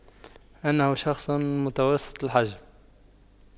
انه شخص متوسط الحجم